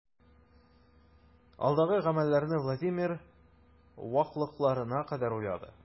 Алдагы гамәлләрне Владимир ваклыкларына кадәр уйлады.